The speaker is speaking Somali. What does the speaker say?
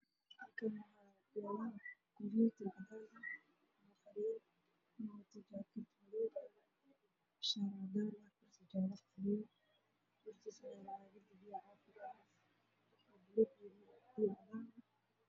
Meeshaan waxaa fadhiyo nin wato si madow ay ishaar cadaana waxaa hor yaalla miis waxaa u saaran laabto cadaana iyo biyo cafi wuxuuna ku fadhiyaa kursi